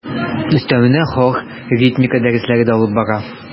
Өстәвенә хор, ритмика дәресләре дә алып бара.